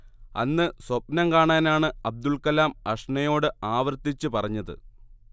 അന്ന് സ്വപ്നം കാണാനാണ് അബ്ദുൾക്കലാം അഷ്നയോട് ആവർതതിച്ച് പറഞ്ഞത്